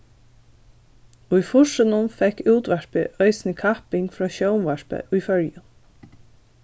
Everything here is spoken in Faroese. í fýrsunum fekk útvarpið eisini kapping frá sjónvarpi í føroyum